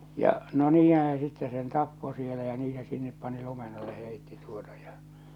ja no niinhän se sitten sen tappoi siellä ja niin se sinne pani lumen alle heitti tuota ja